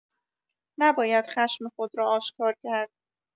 نباید خشم خود را آشکار کرد.